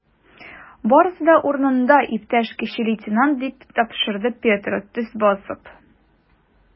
Барысы да урынында, иптәш кече лейтенант, - дип тапшырды Петро, төз басып.